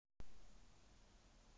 выйдите отсюда